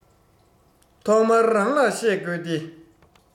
ཐོག མར རང ལ བཤད དགོས ཏེ